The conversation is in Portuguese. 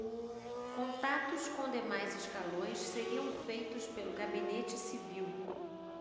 contatos com demais escalões seriam feitos pelo gabinete civil